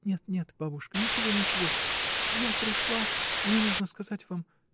— Нет, нет, бабушка, ничего, ничего. я пришла. Мне нужно сказать вам.